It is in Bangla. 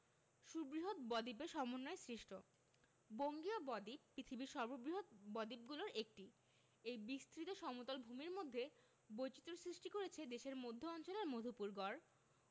সুবৃহৎ বদ্বীপের সমন্বয়ে সৃষ্ট বঙ্গীয় বদ্বীপ পৃথিবীর সর্ববৃহৎ বদ্বীপগুলোর একটি এই বিস্তৃত সমতল ভূমির মধ্যে বৈচিত্র্য সৃষ্টি করেছে দেশের মধ্য অঞ্চলের মধুপুর গড়